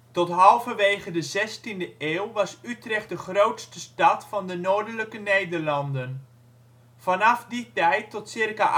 Tot halverwege de zestiende eeuw was Utrecht de grootste stad van de noordelijke Nederlanden. Vanaf die tijd tot circa